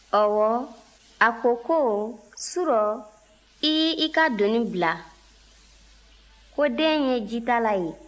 ɔwɔ a ko ko su rɔ i y'i ka doni bila ko den ye jitala ye